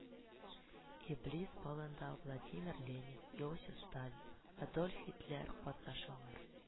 Иблис балында Владимир Ленин, Иосиф Сталин, Адольф Һитлер катнашалар